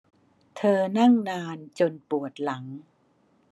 เธอนั่งนานจนปวดหลัง